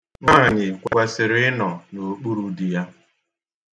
Nwaanyị kwesịrị ịnọ n'okpuru di ya.